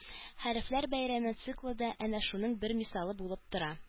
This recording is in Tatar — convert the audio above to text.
«хәрефләр бәйрәме» циклы да әнә шуның бер мисалы булып тора